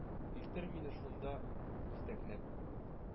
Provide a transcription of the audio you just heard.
Илтер мине шунда җитәкләп.